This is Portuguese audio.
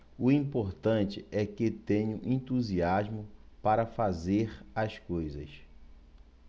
o importante é que tenho entusiasmo para fazer as coisas